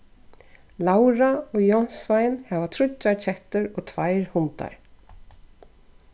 laura og jónsvein hava tríggjar kettur og tveir hundar